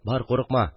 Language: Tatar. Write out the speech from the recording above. Бар, курыкма